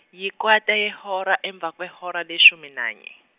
yikwata yehora emva kwehora leshumi nane.